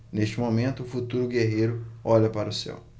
neste momento o futuro guerreiro olha para o céu